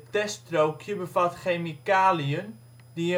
teststrookje bevat chemicaliën die